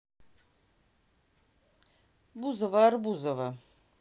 бузова арбузова